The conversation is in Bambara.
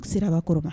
Siraba kɔrɔ